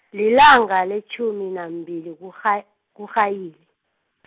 lilanga letjhumi nambili kuRha- kuMrhayili .